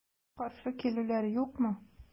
Каршы килүләр юкмы?